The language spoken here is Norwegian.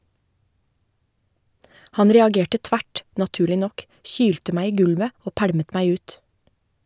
Han reagerte tvert, naturlig nok, kylte meg i gulvet og pælmet meg ut.